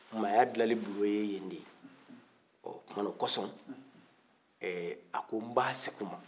maya dilanni gundo ye yen de ye o tumana o kɔson a ko n b'a segin u ma